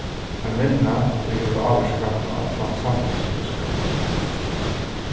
ein vinna ið hevur ávirkan á allan samfelagsbúskapin